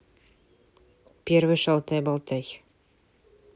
первый шалтай болтай